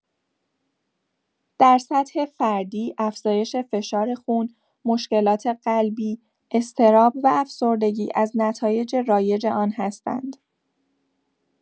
در سطح فردی، افزایش فشار خون، مشکلات قلبی، اضطراب و افسردگی از نتایج رایج آن هستند.